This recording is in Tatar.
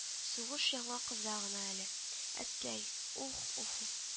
- сугыш яңа кыза гына әле, әткәй. уһ-уһу